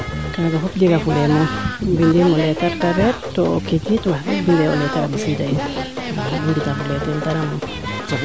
kaaga fop jega fulee moom bindimo lettre to o kiinit wax deg binde o lettre a mbisiida in i njega fule teen dara moom